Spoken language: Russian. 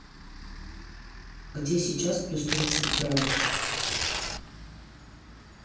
где сейчас плюс тридцать градусов